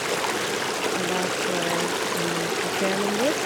Og da står jeg i kafeen om bord.